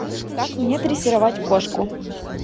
как мне дрессировать кошку